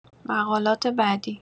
مقالات بعدی